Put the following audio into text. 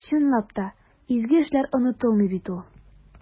Чынлап та, изге эшләр онытылмый бит ул.